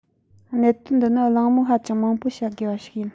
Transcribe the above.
གནད དོན འདི ནི གླེང མོལ ཧ ཅང མང པོ བྱ དགོས པ ཞིག ཡིན